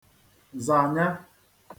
zànya